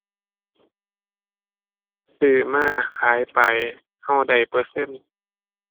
ซื้อมา ขายไป เราได้เปอร์เซ็นต์